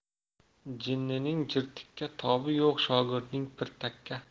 jinnining jirtakka tobi yo'q shogirdning pirtakka